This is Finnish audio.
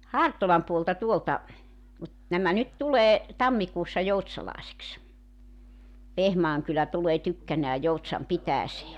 Hartolan puolta tuolta mutta nämä nyt tulee tammikuussa joutsalaiseksi Vehmaan kylä tulee tykkänään Joutsan pitäjään